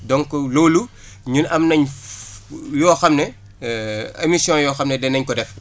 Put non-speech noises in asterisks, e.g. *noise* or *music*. donc loolu *breath* ñun am nañ yoo xam ne *hesitation* émissions yoo xam ne danañ ko def